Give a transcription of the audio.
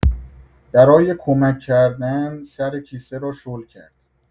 برای کمک کردن سر کیسه را شل کرد.